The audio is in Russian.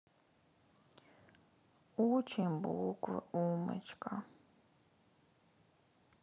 учим букву умочка